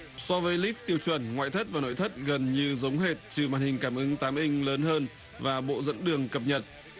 so với líp tiêu chuẩn ngoại thất và nội thất gần như giống hệt sự màn hình cảm ứng tám inh lớn hơn và bộ dẫn đường cập nhật